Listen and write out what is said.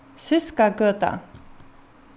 ziskagøta